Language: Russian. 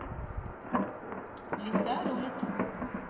лиса рулит